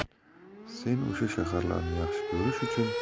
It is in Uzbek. sen o'sha shaharlarni yaxshi ko'rish uchun